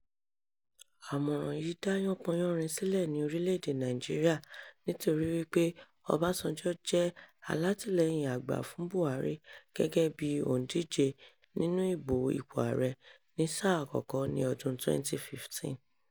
Àmọ̀ràn yìí dá yánpọnyánrin sílẹ̀ ní orílẹ̀-èdè Nàìjíríà nítorí wípé Ọbásanjọ́ jẹ́ alátìlẹ́yìn àgbà fún Buhari gẹ́gẹ́ bí òǹdíje nínú ìbò ipò Ààrẹ ni sáà àkọ́kọ́ ní ọdún 2015.